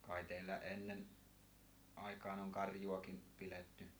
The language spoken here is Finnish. kai teillä ennen aikaan on karjuakin pidetty